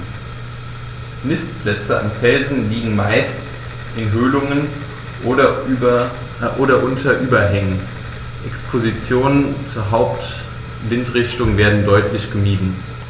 Nistplätze an Felsen liegen meist in Höhlungen oder unter Überhängen, Expositionen zur Hauptwindrichtung werden deutlich gemieden.